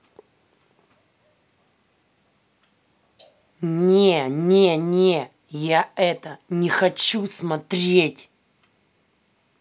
не не не я это не хочу смотреть